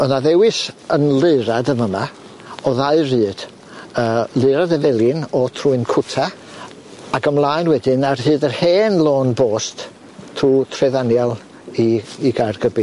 O'dd 'na ddewis yn Leirad yn fa'ma o ddau ryd yy Leirad Efelyn o Trwyn Cwta ac ymlaen wedyn ar hyd yr hen lôn bost trw Tre Ddanial i Caergybi.